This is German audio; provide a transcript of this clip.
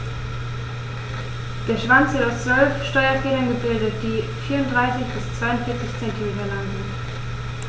Der Schwanz wird aus 12 Steuerfedern gebildet, die 34 bis 42 cm lang sind.